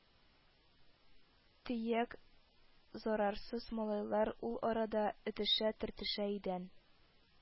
Төяк зарарсыз малайлар ул арада этешә-төртешә идән